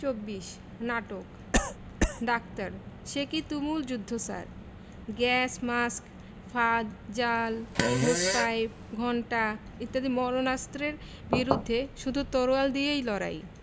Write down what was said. ২৪ নাটক ডাক্তার সেকি তুমুল যুদ্ধ স্যার গ্যাস মাস্ক ফাঁদ জাল হোস পাইপ ঘণ্টা ইত্যাদি মারণাস্ত্রের বিরুদ্ধে শুধু তলোয়ার দিয়ে লড়াই